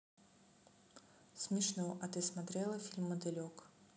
смешно а ты смотрела фильм мотылек